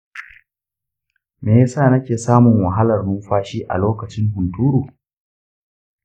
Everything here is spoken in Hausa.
me yasa nake samun wahalar numfashi a lokacin hunturu?